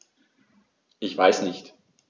Ich weiß nicht.